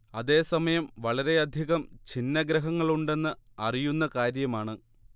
അതേ സമയം വളരെയധികം ഛിന്നഗ്രഹങ്ങളുണ്ടെന്ന് അറിയുന്ന കാര്യമാണ്